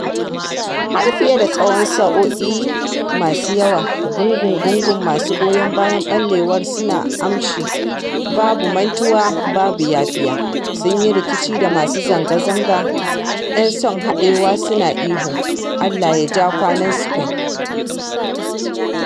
Har fiye da tsawon sa’o’i masu yawa gungu-gungun masu goyon bayan ɓallewar suna amshi “Babu mantuwa, babu yafiya” sun yi rikici da masu zanga-zanga ‘yan son haɗewa suna ihu, Allah ya ja kwanan Spain.”